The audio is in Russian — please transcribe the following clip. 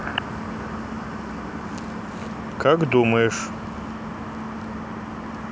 как думаешь